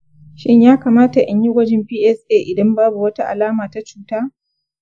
shin ya kamata in yi gwajin psa idan babu wata alama ta cuta?